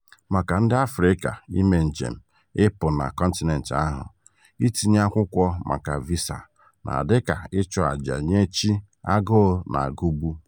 Maka ndị Afrịka ime njem ịpụ na kọntinent ahụ, itinye akwụkwọ maka visa na-adị ka ịchụ àjà nye chi agụ na-agụgbụ.